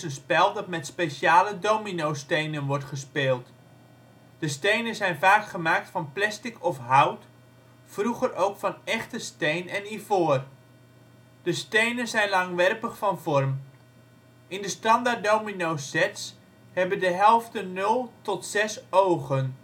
spel dat met speciale dominostenen wordt gespeeld. De stenen zijn vaak gemaakt van plastic of hout, vroeger ook van echte steen en ivoor. De stenen zijn langwerpig van vorm. In de standaard domino sets hebben de helften nul tot zes ogen